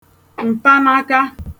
m̀panaka